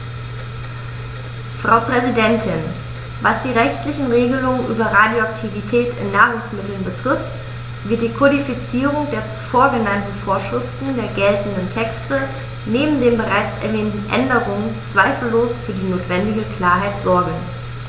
Frau Präsidentin, was die rechtlichen Regelungen über Radioaktivität in Nahrungsmitteln betrifft, wird die Kodifizierung der zuvor genannten Vorschriften der geltenden Texte neben den bereits erwähnten Änderungen zweifellos für die notwendige Klarheit sorgen.